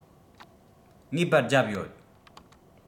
ངེས པར བརྒྱབ ཡོད